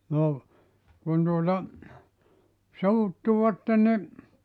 no kun tuota suuttuivat niin